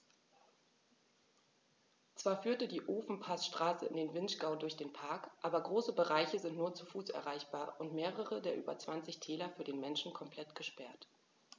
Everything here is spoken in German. Zwar führt die Ofenpassstraße in den Vinschgau durch den Park, aber große Bereiche sind nur zu Fuß erreichbar und mehrere der über 20 Täler für den Menschen komplett gesperrt.